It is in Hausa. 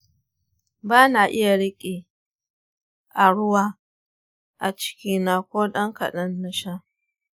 bana iya rike a ruwa a ciki na ko dan kadan nasha.